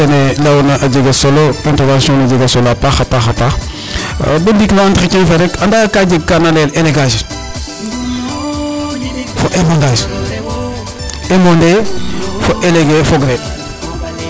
Kene layoona a jega solo intervention ne a jega solo a paax a paax bo ndiik no entretien fe rek ande ka jeg ka na layel élégage fo émbonage émboner fo éléguer fogree